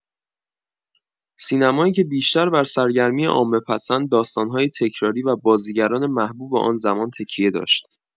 سینمایی که بیشتر بر سرگرمی عامه‌پسند، داستان‌های تکراری و بازیگران محبوب آن‌زمان تکیه داشت.